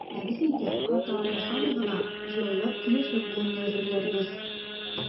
Ә без инде, хаталар ясамый гына, җайлап киләчәк буынны әзерләрбез.